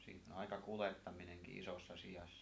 Siinä on aika kuljettaminenkin isossa siassa